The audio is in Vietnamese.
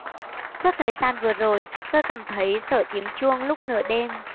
suốt thời gian vừa rồi tôi cảm thấy sợ tiếng chuông lúc nửa đêm